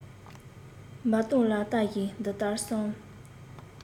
འབབ སྟངས ལ ལྟ བཞིན འདི ལྟར བསམ